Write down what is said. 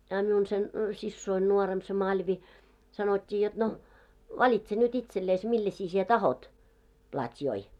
a minun sen siskoni nuorempi se Malvi sanottiin jotta no valitse nyt itsellesi millaisen sinä tahdot platjoja